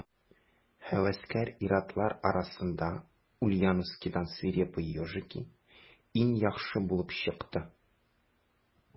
Һәвәскәр ир-атлар арасында Ульяновскидан «Свирепые ежики» иң яхшы булып чыкты.